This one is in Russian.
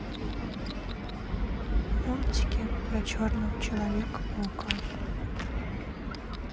мультики про черного человека паука